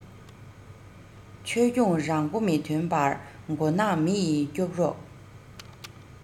ཆོས སྐྱོང རང མགོ མི ཐོན པར མགོ ནག མི ཡི སྐྱོབ རོག